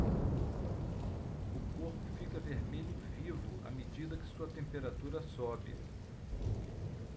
o corpo fica vermelho vivo à medida que sua temperatura sobe